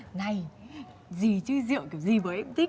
này gì chứ rượu kiểu gì bố em cũng thích